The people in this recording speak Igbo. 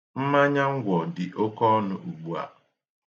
Mmanya ngwọ dị oke ọnụ ugbu a.